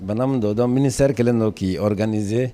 Bana min dɔw dɔn mini seri kelen dɔ k'i k2e